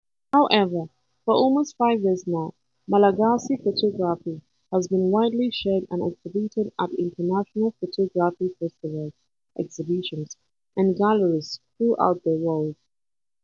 However, for almost five years now, Malagasy photography has been widely shared and exhibited at international photography festivals, exhibitions, and galleries throughout the world.